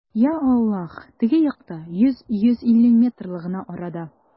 Йа Аллаһ, теге якта, йөз, йөз илле метрлы гына арада!